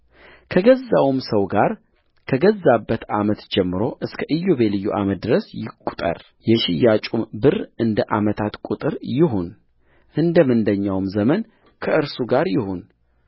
ከገዛውም ሰው ጋር ከገዛበት ዓመት ጀምሮ እስከ ኢዮቤልዩ ዓመት ድረስ ይቍጠር የሽያጩም ብር እንደ ዓመታቱ ቍጥር ይሁን እንደ ምንደኛውም ዘመን ከእርሱ ጋር ይሁን